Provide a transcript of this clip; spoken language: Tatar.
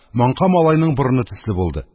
Маңка малайның борыны төсле булды.